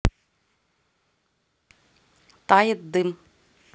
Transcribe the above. тает дым